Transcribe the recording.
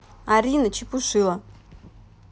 арина чепушила